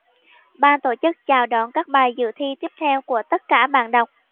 ban tổ chức chào đón các bài dự thi tiếp theo của tất cả bạn đọc